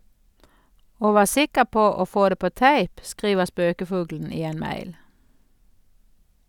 Og vær sikker på å få det på tape, skriver spøkefuglen i en mail.